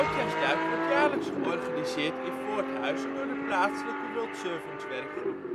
Oudjaarsduik wordt jaarlijks georganiseerd in Voorthuizen door de plaatselijke World Servants werkgroep